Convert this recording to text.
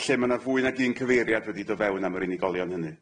A lle ma' na fwy nag un cyfeiriad wedi do' fewn am yr unigolion hynny.